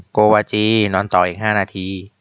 โกวาจีนอนต่ออีกห้านาที